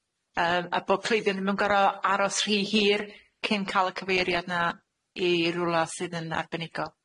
Yym a bo' cleifion ddim yn gor'o' aros rhy hir cyn ca'l y cyfeiriad 'na i rwla sydd yn arbenigo?